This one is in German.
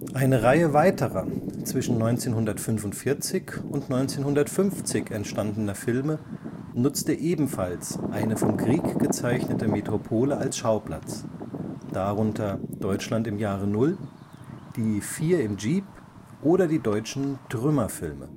Eine Reihe weiterer, zwischen 1945 und 1950 entstandener Filme nutzte ebenfalls eine vom Krieg gezeichnete Metropole als Schauplatz, darunter Deutschland im Jahre Null, Die Vier im Jeep oder die deutschen „ Trümmerfilme